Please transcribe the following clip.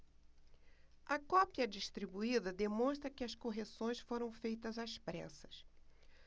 a cópia distribuída demonstra que as correções foram feitas às pressas